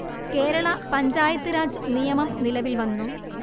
കേരളാ പഞ്ചായത്ത് രാജ് നിയമം നിലവിൽ വന്നു